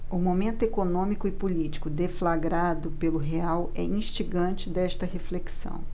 o momento econômico e político deflagrado pelo real é instigante desta reflexão